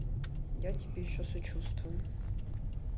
я тебя еще сочувствую